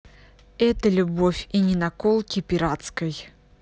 это любовь и не наколки пиратской